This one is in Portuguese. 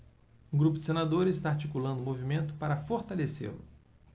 um grupo de senadores está articulando um movimento para fortalecê-lo